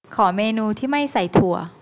ขอเมนูที่ไม่ใส่ถั่ว